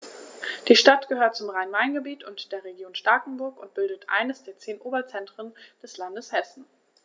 Die Stadt gehört zum Rhein-Main-Gebiet und der Region Starkenburg und bildet eines der zehn Oberzentren des Landes Hessen.